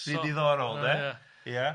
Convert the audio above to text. ...sy'n ddiddorol de... Ia. Ia.